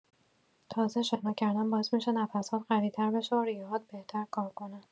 تازه، شنا کردن باعث می‌شه نفس‌هات قوی‌تر بشه و ریه‌هات بهتر کار کنن.